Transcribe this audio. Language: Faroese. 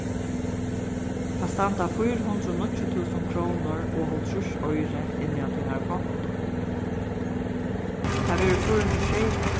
tað standa fýra hundrað og níggju túsund krónur og hálvtrýss oyru inni á tínari konto tað verður fýra hundrað og sjeyogfýrs